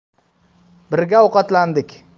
birga ovqatlandik